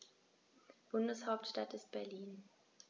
Bundeshauptstadt ist Berlin.